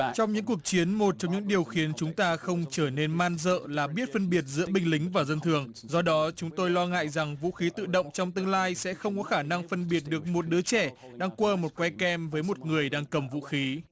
trong những cuộc chiến một trong những điều khiến chúng ta không trở nên man rợ là biết phân biệt giữa binh lính và dân thường do đó chúng tôi lo ngại rằng vũ khí tự động trong tương lai sẽ không có khả năng phân biệt được một đứa trẻ đang cua một que kem với một người đang cầm vũ khí